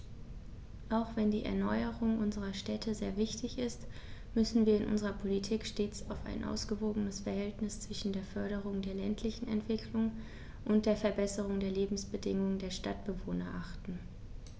Auch wenn die Erneuerung unserer Städte sehr wichtig ist, müssen wir in unserer Politik stets auf ein ausgewogenes Verhältnis zwischen der Förderung der ländlichen Entwicklung und der Verbesserung der Lebensbedingungen der Stadtbewohner achten.